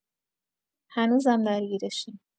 هنوزم درگیرشیم.